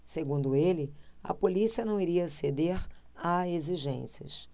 segundo ele a polícia não iria ceder a exigências